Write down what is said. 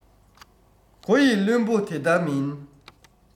གོ ཡི བླུན པོས དེ ལྟ མིན